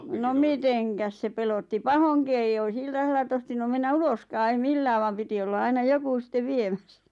no mitenkäs se pelotti pahoinkin ei olisi iltasella tohtinut mennä uloskaan ei millään vaan piti olla aina joku sitten viemässä